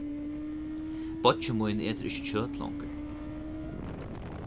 beiggi mín etur ikki kjøt longur